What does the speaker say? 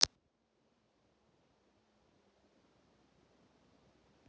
включи деревяшки на ютуб